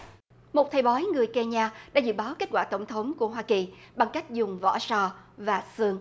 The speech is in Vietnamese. một thầy bói người ken nhe a đã dự báo kết quả tổng thống của hoa kỳ bằng cách dùng vỏ sò và sừng